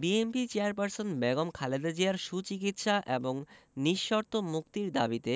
BNP chairperson Begum Khaleda জিয়ার সুচিকিৎসা এবং নিঃশর্ত মুক্তির দাবিতে